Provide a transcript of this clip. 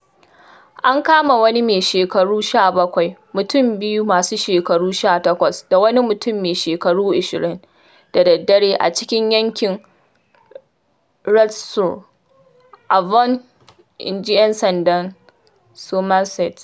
An kama wani mai shekaru 17, mutum biyu masu shekaru 18 da wani mutum mai shekaru 20 da dare a cikin yankin Radstock, Avon inji ‘Yan Sandan Somerset.